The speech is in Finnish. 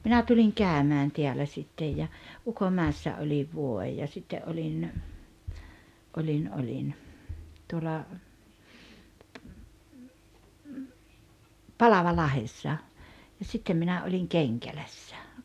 minä tulin käymään täällä sitten ja Ukonmäessä olin vuoden ja sitten olin olin olin tuolla Palavalahdessa ja sitten minä olin Kenkälässä